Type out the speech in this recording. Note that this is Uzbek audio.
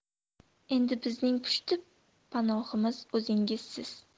endi bizning pushti panohimiz o'zingizsiz